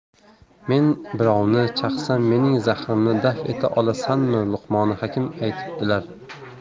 men birovni chaqsam mening zahrimni daf eta olasanmi luqmoni hakim aytibdilar